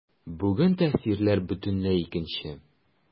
Бүген тәэсирләр бөтенләй икенче.